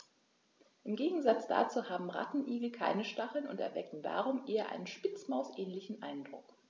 Im Gegensatz dazu haben Rattenigel keine Stacheln und erwecken darum einen eher Spitzmaus-ähnlichen Eindruck.